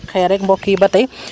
xee rek mbokk yi ba tey